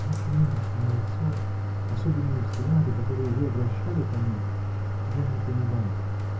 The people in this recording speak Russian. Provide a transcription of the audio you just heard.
— Ваше нынешнее лицо, особенные взгляды, которые вы обращали ко мне, — я не поняла их.